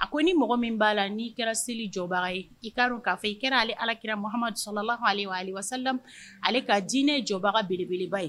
A ko ni mɔgɔ min b'a la n'i kɛra seli jɔbaga ye i ka k'a fɔ i kɛra ale alakira mamadu salaale ale ka dinɛ jɔbaga belebeleba ye